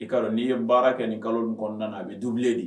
I ka n'i ye baara kɛ nin kalo kɔnɔna a bɛ du de